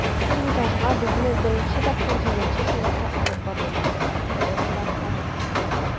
Эрмитажга безне беренче тапкыр җиденче сыйныфта алып бардылар, шедеврлар карарга.